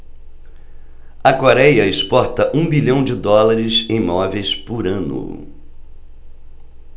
a coréia exporta um bilhão de dólares em móveis por ano